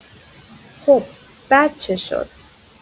خب، بعد چه شد؟